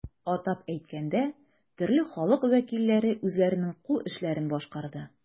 Атап әйткәндә, төрле халык вәкилләре үзләренең кул эшләрен башкарды.